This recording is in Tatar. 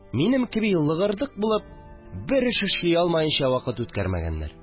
Минем кеби лыгырдык булып, бер эш эшли алмаенча вакыт үткәрмәгәннәр